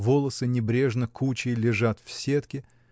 волосы небрежно, кучей лежат в сетке